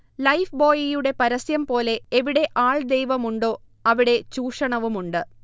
ലൈഫ്ബോയിയുടെ പരസ്യംപോലെ എവിടെ ആൾദൈവമുണ്ടോ അവിടെ ചൂഷണവുമുണ്ട്